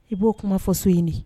I b'o kuma fɔ so in di